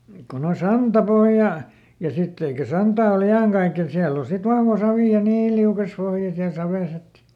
kun on santapohja ja sitten eikä santaa oli iankaiken siellä on sitten vahva savi ja niin liukas pohja siellä savessa että